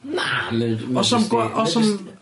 Na!